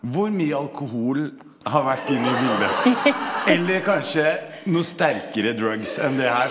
hvor mye alkohol har vært inni bildet, eller kanskje noe sterkere drugs enn det her.